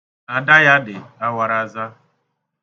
Ada ya dị awaraza.